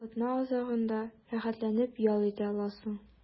Атна азагында рәхәтләнеп ял итә аласың.